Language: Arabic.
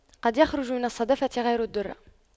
قد يخرج من الصدفة غير الدُّرَّة